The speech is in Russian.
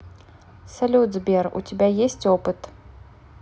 салют сбер у тебя есть опыт